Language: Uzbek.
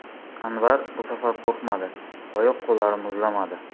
anvar bu safar qo'rqmadi oyoq qo'llari muzlamadi